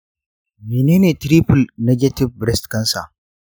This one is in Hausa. menene triple-negative breast cancer?